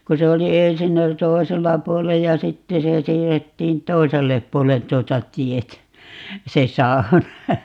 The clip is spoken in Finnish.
kun se oli ensin oli toisella puolen ja sitten se siirrettiin toiselle puolen tuota tietä se sauna